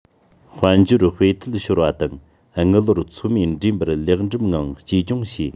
དཔལ འབྱོར སྤེལ ཐལ ཤོར བ དང དངུལ ལོར ཚོད མེད འགྲེམས པར ལེགས འགྲུབ ངང བཅོས སྐྱོང བྱས